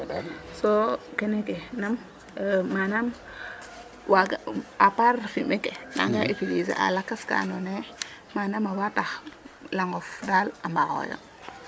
So kene ke nam manaam waaga à part fumier ke nangaa utiliser a lakas ka anodoona ye manaam a waa tax langof daal a mbaaxooyo?